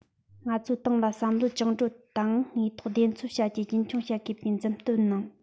ང ཚོའི ཏང ལ བསམ བློ བཅིངས འགྲོལ དང དངོས ཐོག བདེན འཚོལ བྱ རྒྱུ རྒྱུན འཁྱོངས བྱ དགོས པའི མཛུབ སྟོན གནང